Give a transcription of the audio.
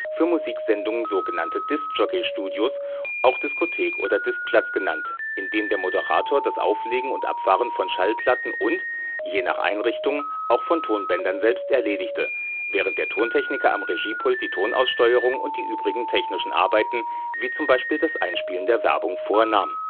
für Musiksendungen sogenannte Diskjockeystudios, auch Diskothek oder Diskplatz genannt, in denen der Moderator das Auflegen und Abfahren von Schallplatten und, je nach Einrichtung, auch von Tonbändern selbst erledigte, während der Tontechniker am Regiepult die Tonaussteuerung und die übrigen technischen Arbeiten, wie z. B. das Einspielen der Werbung, vornahm